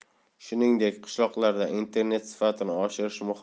shuningdek qishloqlarda internet sifatini oshirish